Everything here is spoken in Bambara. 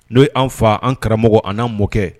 N'o ye an fa an karamɔgɔ an n' mɔ kɛ